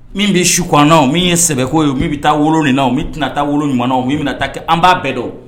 Min bɛ su kɔnɔna min ye sɛbɛko ye min bɛ taa woloin min tɛna taa woloɲuman min taa kɛ an b'a bɛɛ dɔn